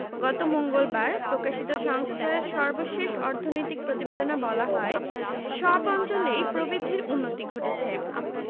গত মঙ্গলবার প্রকাশিত সংস্থার সর্বশেষ অর্থনৈতিক প্রতিবেদনে বলা হয় সব অঞ্চলেই প্রবৃদ্ধির উন্নতি ঘটেছে